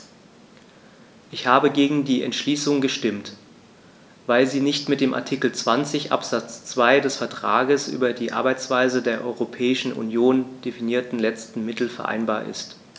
Ich habe gegen die Entschließung gestimmt, weil sie nicht mit dem in Artikel 20 Absatz 2 des Vertrags über die Arbeitsweise der Europäischen Union definierten letzten Mittel vereinbar ist.